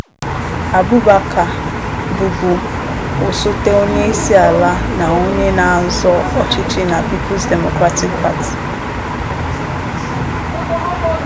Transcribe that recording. Abubakar bụbu osote onye isi ala na onye na-azọ ọchịchị na People's Democratic Party.